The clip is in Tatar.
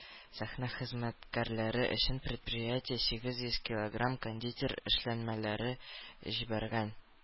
Сәхнә хезмәткәрләре өчен предприятие сигез йөз килограмм кондитер эшләнмәләре җибәргән.